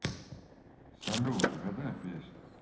салют угадай песню